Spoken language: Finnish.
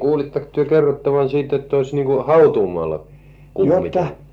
kuulitteko te kerrottavan sitten että olisi niin kuin hautuumaalla kummitellut